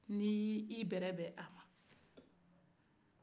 ni i ye bɛrɛbɛ a ma